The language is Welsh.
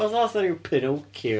Oedd o fatha ryw Pinocchio.